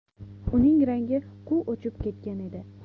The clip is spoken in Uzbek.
uning rangi quv o'chib ketgan edi